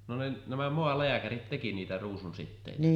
no ne nämä maalääkärit teki niitä ruusunsiteitä